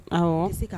Ɔ se